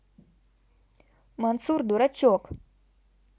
мансур дурачок